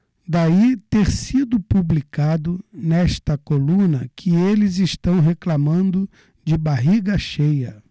daí ter sido publicado nesta coluna que eles reclamando de barriga cheia